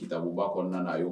Kitabuba kɔnɔna na a y'o